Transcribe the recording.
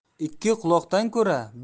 ikki quloqdan ko'ra